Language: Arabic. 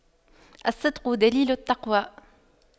الصدق دليل التقوى